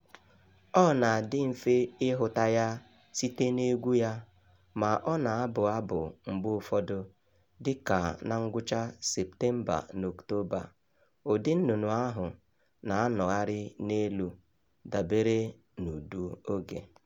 Ọ na-adị mfe ịhụta ya site n'egwu ya ma ọ na-abụ abụ mgbe ụfọdụ dịka na ngwụcha Septemba na Ọktoba. Ụdị nnụnụ ahụ na-anọgharị n'elu dabere n'udu oge.